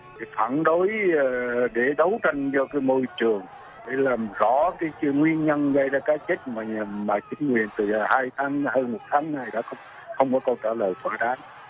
phản đối để đấu tranh cho môi trường làm rõ nguyên nhân gây ra cái chết mà mà chính quyền từ hai tháng hơn một tháng này đã không có câu trả lời thỏa đáng